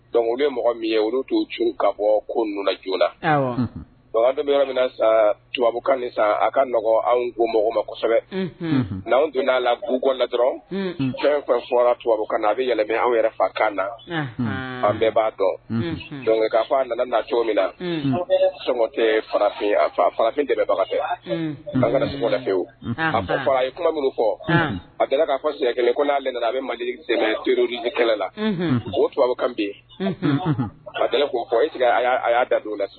Dɔnkuc bɛ mɔgɔ min ye olu to ka bɔ ko joona yɔrɔ min sa tubabubu kan aw kaɔgɔn anw ko mɔgɔw ma kosɛbɛ n' anw donna'a lana dɔrɔn fɛn fɔra tubabubu kan a bɛ anw yɛrɛ kan na an bɛɛ b'a dɔn k'a fɔ a nana na cogo min na tɛfinfin dɛ bɛbagawu a a ye kuma minnu fɔ a bɛ' fɔ si kelen ko n'a a bɛ mali dɛ kɛlɛ la o tubabubu kan bi a k fɔ a y'a da dugu la